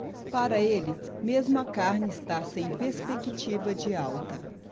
para ele mesmo a carne está sem perspectiva de alta